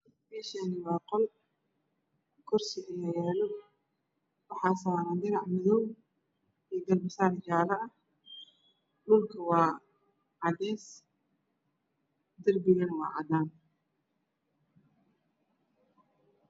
Meshan waa qol kursi aya yalo waxa saran dilac madow io garbasar oo jale ah dhulka waa cades darbigan waa cadan